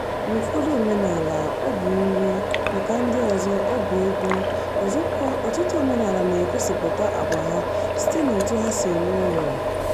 N'ụfọdụ omenaala, ọ bụ nri, maka ndị ọzọ ọ bụ egwu, ọzọkwa ọtụtụ omenala na-egosipụta agwa ha site na etu ha si ewu ụlọ.